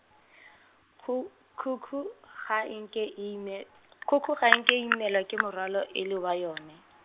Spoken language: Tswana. khu- khukhu, ga e nke e ime-, khukhu ga e nke e imelwa ke morwalo e le wa yone.